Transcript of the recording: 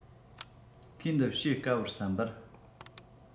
ཁོས འདི ཕྱེ དཀའ བར བསམ པར